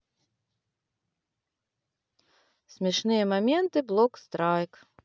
смешные моменты блок страйк